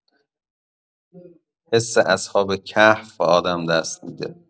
حس اصحاب کهف به آدم دست می‌ده.